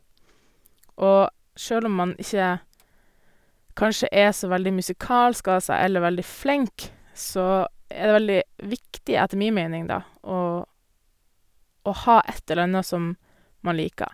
Og sjøl om man ikke kanskje er så veldig musikalsk av seg eller veldig flink, så er det veldig viktig, etter mi meining, da, å å ha et eller anna som man liker.